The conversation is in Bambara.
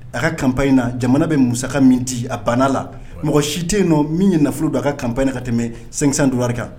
A ka kanpy inina jamana bɛ musa min ci a bana la mɔgɔ si tɛ yen nɔ min ye nafolo don a kap in na ka tɛmɛ sansan duuruwa kan